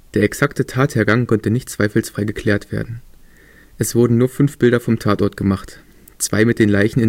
exakte Tathergang konnte nicht zweifelsfrei geklärt werden. Es wurden nur fünf Bilder vom Tatort gemacht: zwei mit den Leichen